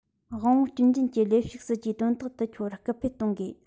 དབང པོ སྐྱོན ཅན གྱི ལས ཞུགས སྲིད ཇུས དོན ཐོག ཏུ འཁྱོལ བར སྐུལ སྤེལ གཏོང དགོས